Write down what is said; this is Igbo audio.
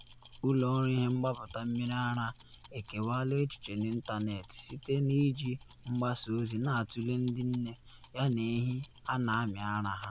Ụlọ ọrụ ihe mgbapụta mmiri ara ekewaala echiche n’ịntanetị site na iji mgbasa ozi na atụle ndị nne yana ehi a na amị ara ha.